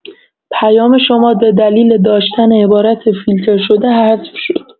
پیام شما به دلیل داشتن عبارت فیلتر شده حذف شد!